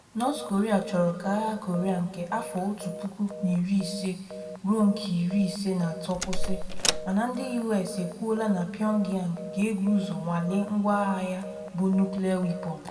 North Korea chọrọ ka agha Korean nke Afọ otu puku na iri ise ruo nke iri ise na atọ kwụsị, mana ndị US ekwuola na Pyongyang ga-ebu ụzọ nwalee ngwa agha ya bụ nuclear weapon.